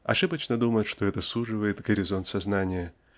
Ошибочно думать, что это суживает горизонт сознания